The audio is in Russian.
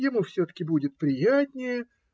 Ему все-таки будет приятнее.